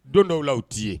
Don dɔw laaw tɛi ye